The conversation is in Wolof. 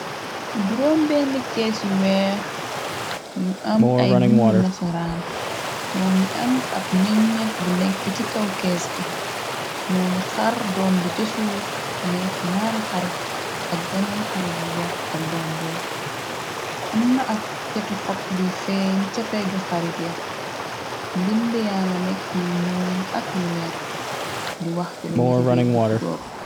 Juróon bendi kees yu weex yu am ay bindu nasaraan moo ngi am ab meñef bu nekk ci kaw keeske ñoo ngi xar dombi ca suuf nekk ñaari xarit ak beneen xarit bu bokktal doom booba amna ak ceti xop buy feeñ ca pegg xarit ya mbind yaa nga nekk yu nuul ak yu wert di waxciluna ci biir gut googa.